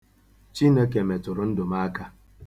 Chineke metụrụ ndụ m aka.